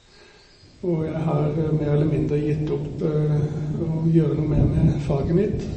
Og jeg har mer eller mindre gitt opp å gjøre noe mer med faget mitt.